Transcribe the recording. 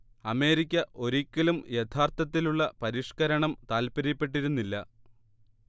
America ഒരിക്കലും യഥാർത്ഥത്തിലുള്ള പരിഷ്കരണം താല്പര്യപ്പെട്ടിരുന്നില്ല